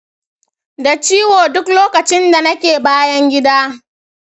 da ciwo duk lokacin da nake bayan gida.